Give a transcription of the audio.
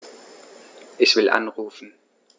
Ich will anrufen.